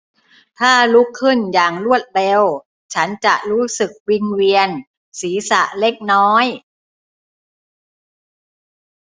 ถ้าลุกขึ้นอย่างรวดเร็วฉันจะรู้สึกวิงเวียนศีรษะเล็กน้อย